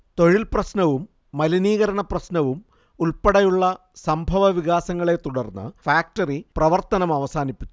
തൊഴിൽ പ്രശ്നവും മലിനീകരണപ്രശ്നവും ഉൾപ്പെടെയുള്ള സംഭവവികാസങ്ങളെത്തുടർന്ന് ഫാക്ടറി പ്രവർത്തനമവസാനിപ്പിച്ചു